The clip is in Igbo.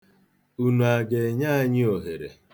Unu a ga-enye anyị ohere?